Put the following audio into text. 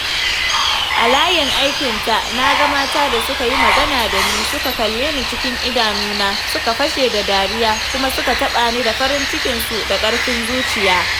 A layin aikinta, na ga mata da suka yi magana da ni, suka kalle cikin idanuna, suka fashe da dariya, kuma suka taɓa ni da farin cikinsu da ƙarfin zuciya.